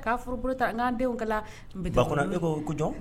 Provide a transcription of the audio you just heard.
ka e furu,